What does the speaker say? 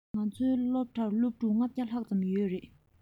ང ཚོའི སློབ གྲྭར སློབ ཕྲུག ༤༠༠༠ ལྷག ཙམ ཡོད རེད